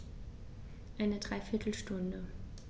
Eine dreiviertel Stunde